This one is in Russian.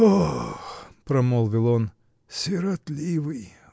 -- Ох, -- промолвил он, -- сиротливый!